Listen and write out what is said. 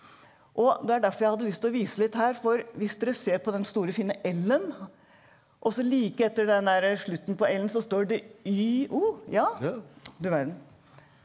og det er derfor jeg hadde lyst til å vise litt her for hvis dere ser på den store finne L-en og så like etter den derre slutten på L-en så står det Y O ja du verden.